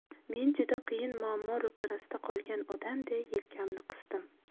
men juda qiyin muammo ro'parasida qolgan odamday yelkamni qisdim